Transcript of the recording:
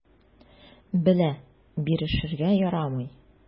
Белә: бирешергә ярамый.